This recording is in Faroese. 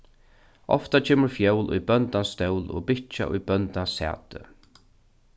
ofta kemur fjól í bóndans stól og bikkja í bóndans sæti